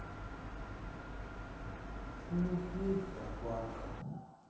у нас есть зоопарк